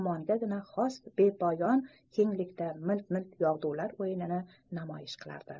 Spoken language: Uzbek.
ummongagina xos bepoyon kenglikda milt milt yog'dular o'yinini namoyish qilar edi